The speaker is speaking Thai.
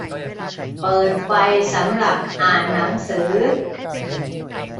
เปิดไฟสำหรับอ่านหนังสือ